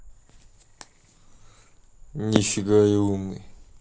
нифига я умный